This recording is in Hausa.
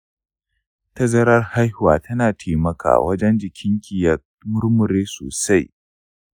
tazarar haihuwa tana taimaka wa jikinki ya murmure sosai.